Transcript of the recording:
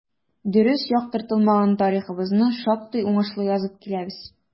Дөрес яктыртылмаган тарихыбызны шактый уңышлы язып киләбез.